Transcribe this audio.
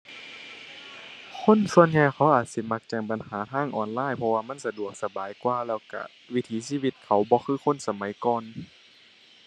คนส่วนใหญ่เขาอาจสิมักแจ้งปัญหาทางออนไลน์ เพราะว่ามันสะดวกสบายกว่า แล้วก็วิถีชีวิตเขาบ่คือคนสมัยก่อน